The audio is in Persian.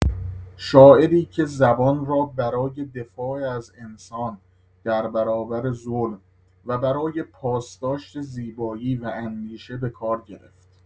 شاعری که زبان را برای دفاع از انسان در برابر ظلم و برای پاسداشت زیبایی و اندیشه به کار گرفت.